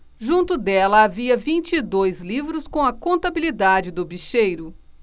junto dela havia vinte e dois livros com a contabilidade do bicheiro